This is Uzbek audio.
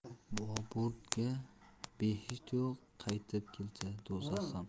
beburdga behisht yo'q qaytib kelsa do'zax ham